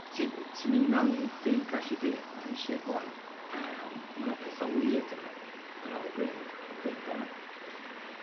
ti ti myn' i mewn i Bryn Celli Du yn Sir Fôn yym ma' 'na petha weird yna yn ôl Graham yy Ke- Graham Kennaugh.